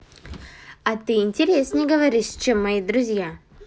а ты интереснее говоришь чем мои друзья